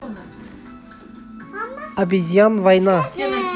обезьян война